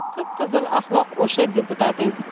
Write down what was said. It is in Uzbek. qip qizil ahmoq o'sha deputating